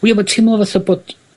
W- ia ma'n teimlo fatha bod